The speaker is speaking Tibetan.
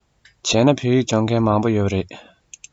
བྱས ན བོད ཡིག སྦྱོང མཁན མང པོ ཡོད པ རེད